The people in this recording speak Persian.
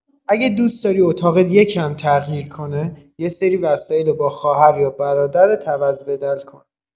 اگه دوس داری اتاقت یه کم تغییر کنه، یه سری وسایلو با خواهر یا برادرت عوض‌بدل کن.